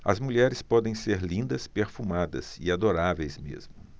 as mulheres podem ser lindas perfumadas e adoráveis mesmo